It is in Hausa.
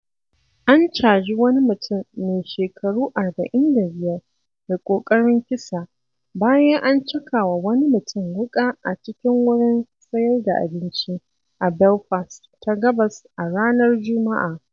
An caji wani mutum mai shekaru 45 da ƙoƙarin kisa bayan an caka wa wani mutum wuƙa a cikin wurin sayar da abinci a Belfast ta gabas a ranar Juma'a.